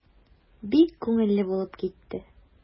Бик күңелле булып китте.